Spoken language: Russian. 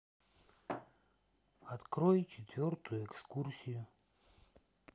открой четвертую экскурсию